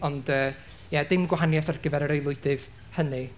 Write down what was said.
ond yy ie dim gwahaniaeth ar gyfer yr aelwydydd hynny.